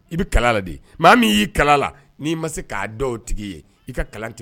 I bɛ kala la de maa min y'i kala la n'i ma se k'a da o tigi ye i ka kalan tɛmɛ